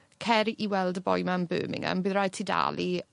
Cer i weld y boi 'ma yn Birmimgam bydd raid ti dalu